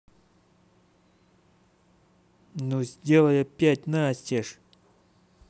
ну сделай опять настежь